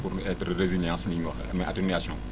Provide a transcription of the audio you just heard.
pour ñu être résiliance ni ñu waxee mooy atténuation